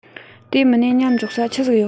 དེ མིན ནས མཉམ འཇོག ས ཆི ཟིག ཡོད